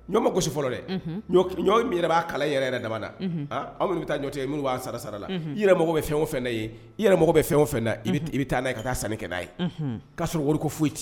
Ɲɔ ma gosisi fɔlɔ dɛ min yɛrɛ b'a kala yɛrɛ da la anw minnu bɛ taa ɲɔ cɛ ye minnu b'a sara sara la i yɛrɛmɔgɔ bɛ fɛn o ye i yɛrɛmɔgɔ bɛ fɛn o i i bɛ taa ye ka taa san kɛ' ye k'a sɔrɔ wari ko foyi ci